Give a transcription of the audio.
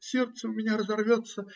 сердце у меня разорвется.